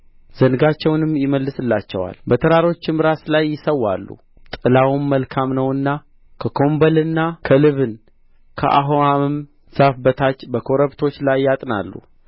ዘንጋቸውም ይመልስላቸዋል በተራሮችም ራስ ላይ ይሠዋሉ ጥላውም መልካም ነውና ከኮምበልና ከልብን ከአሆማም ዛፍ በታች በኮረብቶች ላይ ያጥናሉ